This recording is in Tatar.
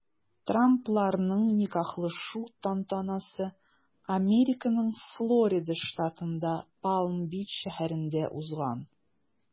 Трампларның никахлашу тантанасы Американың Флорида штатында Палм-Бич шәһәрендә узган.